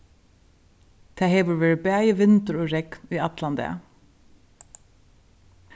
tað hevur verið bæði vindur og regn í allan dag